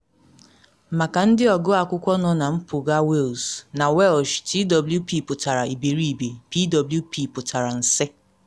Maka ndị ọgụ akwụkwọ nọ na mpụga Wales: Na Welsh twp pụtara iberibe, pwp pụtara nsị.